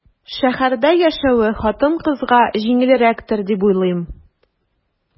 Шәһәрдә яшәве хатын-кызга җиңелрәктер дип уйлыйм.